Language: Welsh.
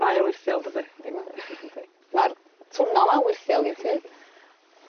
mae o wyrthio dydi? Yndi mae 'i. Yndi. Ma'r twnal 'na wyrthiol i ti.